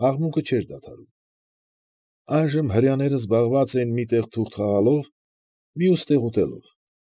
Աղմուկը չէր դադարում։ Այժմ հրեաները զբաղված էին մի տեղ թուղթ խաղալով, մյուս տեղ՝ ուտելով։